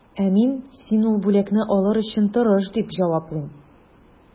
Ә мин, син ул бүләкне алыр өчен тырыш, дип җаваплыйм.